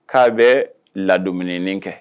K'a bɛ ladonini kɛ